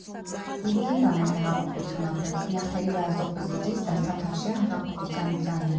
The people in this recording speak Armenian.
Վուվուզելան էլ հեղափոխություն ապրեց, նյարդերի վրա ազդող պզիկից դարձավ Թավշյա հեղափոխության ձայնը։